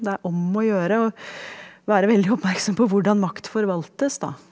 det er om å gjøre og være veldig oppmerksom på hvordan makt forvaltes da.